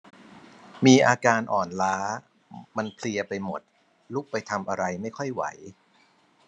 มีอาการอ่อนล้ามันเพลียไปหมดลุกไปทำอะไรไม่ค่อยไหว